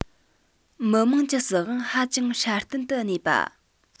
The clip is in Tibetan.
མི དམངས ཀྱི སྲིད དབང ཧ ཅང སྲ བརྟན དུ གནས པ